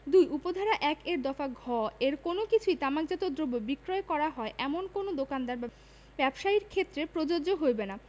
২ উপ ধারা ১ এর দফা ঘ এর কোন কিছুই তামাকজাত দ্রব্য বিক্রয় করা হয় এমন কোন দোকানদার বা ব্যবসায়ীর ক্ষেত্রে প্রযোজ্য হইবে না